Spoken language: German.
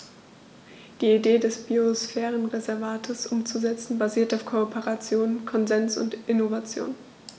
Die Idee des Biosphärenreservates umzusetzen, basiert auf Kooperation, Konsens und Innovation.